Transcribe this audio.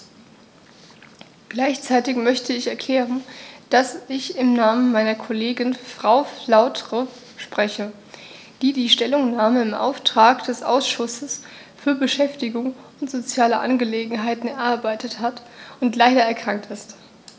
Gleichzeitig möchte ich erklären, dass ich im Namen meiner Kollegin Frau Flautre spreche, die die Stellungnahme im Auftrag des Ausschusses für Beschäftigung und soziale Angelegenheiten erarbeitet hat und leider erkrankt ist.